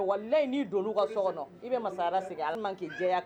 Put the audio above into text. Walayi ni don na u ka so kɔnɔ , i bi masaya segin Ala ma. tellement que jɛya be yen.